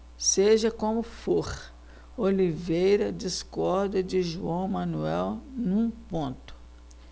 seja como for oliveira discorda de joão manuel num ponto